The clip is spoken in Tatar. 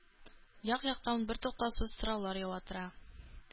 Як-яктан бертуктаусыз сораулар ява тора.